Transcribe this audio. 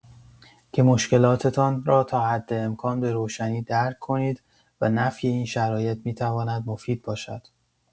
که مشکلاتتان را تا حدامکان به‌روشنی درک کنید و نفی این شرایط می‌تواند مفید باشد.